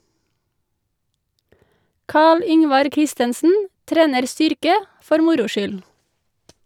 Carl Yngvar Christensen trener styrke for moro skyld.